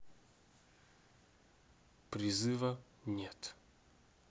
призыва нет